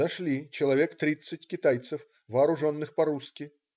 Подошли: человек тридцать китайцев, вооруженных по-русски.